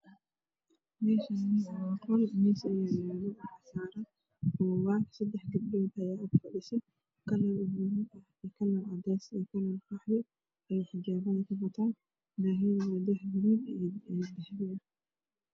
Meeshaani waa qol waxaa yaalo miis waxaa saaran buugaag sadex gabdho kalar guduud cadays kalar qaxwi daahyada waa guduud dahabi ah